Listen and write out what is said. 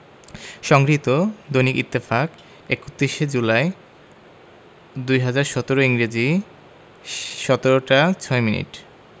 সংগৃহীত দৈনিক ইত্তেফাক ৩১ জুলাই ২০১৭ ইংরেজি ১৭ টা ৬ মিনিট